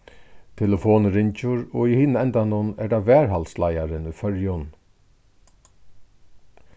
telefonin ringir og í hinum endanum er tað varðhaldsleiðarin í føroyum